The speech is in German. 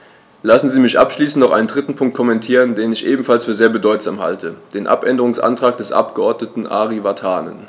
Lassen Sie mich abschließend noch einen dritten Punkt kommentieren, den ich ebenfalls für sehr bedeutsam halte: den Abänderungsantrag des Abgeordneten Ari Vatanen.